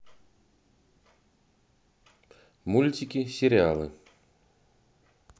мультики сериалы